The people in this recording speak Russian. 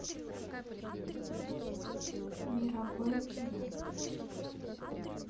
мировое кино